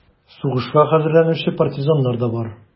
Сугышка хәзерләнүче партизаннар да бар: